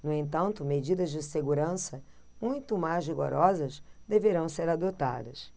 no entanto medidas de segurança muito mais rigorosas deverão ser adotadas